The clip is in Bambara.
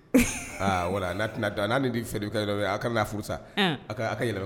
Wa n' tɛna da n' ni fɛ yɔrɔ a kana n furu sa yɛlɛ